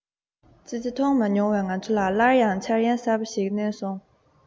ཙི ཙི མཐོང མ མྱོང བའི ང ཚོ ལ སླར ཡང འཆར ཡན གསར པ ཞིག བསྣན སོང